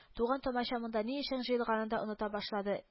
Туган-томача монда ни өчен җыелганын да оныта башлады